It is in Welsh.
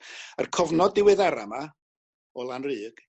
a'r cofnod diweddara 'ma o Lanrug